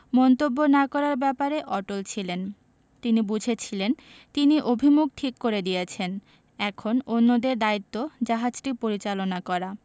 মন্তব্য না করার ব্যাপারে অটল ছিলেন তিনি বুঝেছিলেন তিনি অভিমুখ ঠিক করে দিয়েছেন এখন অন্যদের দায়িত্ব জাহাজটি পরিচালনা করা